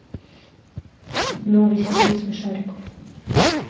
новый сезон смешариков